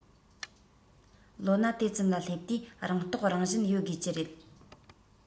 ལོ ན དེ ཙམ ལ སླེབས དུས རང རྟོགས རང བཞིན ཡོད དགོས ཀྱི རེད